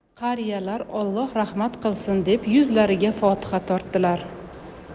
qariyalar olloh rahmat qilsin deb yuzlariga fotiha tortdilar